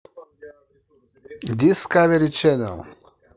дискавери ченел